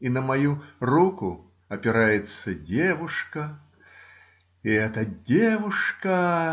И на мою руку опирается девушка. И эта девушка.